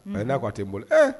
Ayi i n'a fɔ a tɛ n bolo. Ee